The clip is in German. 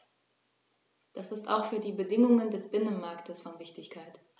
Das ist auch für die Bedingungen des Binnenmarktes von Wichtigkeit.